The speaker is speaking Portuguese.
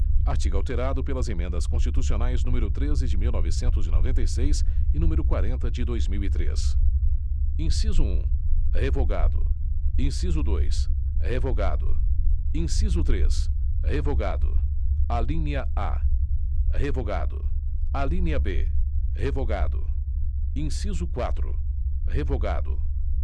artigo alterado pelas emendas constitucionais número treze de mil novecentos e noventa e seis e número quarenta de dois mil e três inciso um revogado inciso dois revogado inciso três revogado alínea a revogado alínea b revogado inciso quatro revogado